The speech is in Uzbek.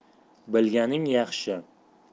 bilganing yaxshi